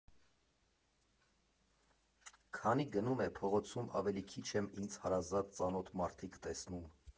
Քանի գնում է, փողոցում ավելի քիչ եմ ինձ հարազատ, ծանոթ մարդիկ տեսնում.